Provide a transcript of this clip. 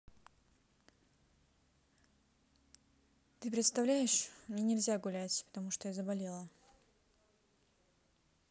ты представляешь мне нельзя гулять потому что я заболела